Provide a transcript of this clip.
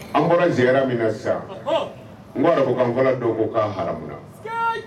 An bɔra ziyara mun na sisan walahi u ko ka haramuna.